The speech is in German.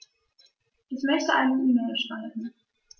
Ich möchte eine E-Mail schreiben.